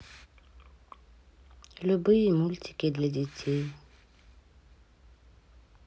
любые мультики для детей